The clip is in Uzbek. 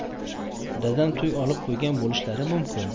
dadam to'y olib qo'ygan bo'lishlari mumkin